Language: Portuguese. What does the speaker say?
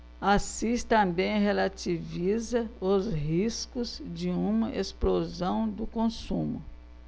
assis também relativiza os riscos de uma explosão do consumo